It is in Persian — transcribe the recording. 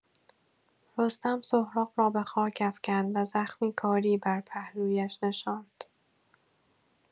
رستم، سهراب را به خاک افکند و زخمی کاری بر پهلویش نشاند.